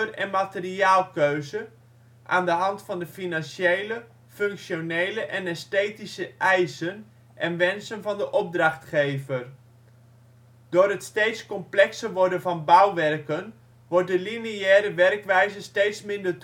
en materiaalkeuze, aan de hand van de financiële, functionele en esthetische eisen en wensen van de opdrachtgever. Door het steeds complexer worden van bouwwerken wordt de lineaire werkwijze steeds minder